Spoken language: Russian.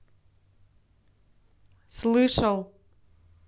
слышал